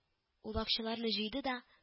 Ул акчаларны җыйды да